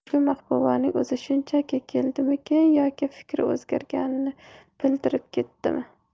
bugun mahbubaning o'zi shunchaki keldimikin yoki fikri o'zgarganini bildirib ketdimi